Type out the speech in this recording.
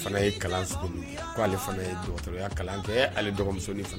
Fana ye kalan k ale ye dɔgɔtɔrɔya kalantɛ ale dɔgɔninmusosonin